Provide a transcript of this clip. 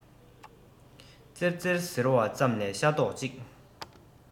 ཙེར ཙེར ཟེར བ ཙམ ལས ཤ རྡོག གཅིག